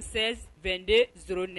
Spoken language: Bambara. Sɛn bɛnnen s ne